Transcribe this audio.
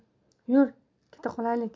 yur keta qolaylik